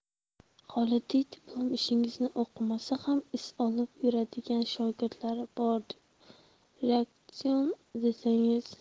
xolidiy diplom ishingizni o'qimasa ham is olib yuradigan shogirdlari bor reaktsion desangiz